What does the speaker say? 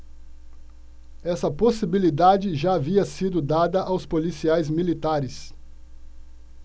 essa possibilidade já havia sido dada aos policiais militares